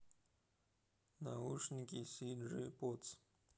наушники си джи подс